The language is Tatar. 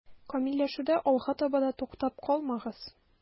Камилләшүдә алга таба да туктап калмагыз.